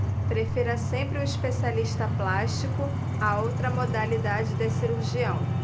prefira sempre um especialista plástico a outra modalidade de cirurgião